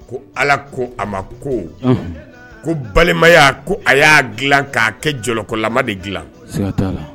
Ko ala ko a ma ko ko balima ko a y'a dila k'a kɛ jɔlɔkɔlama de dilan dila